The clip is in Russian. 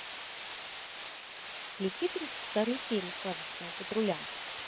включи тридцать вторую серия сказочного патруля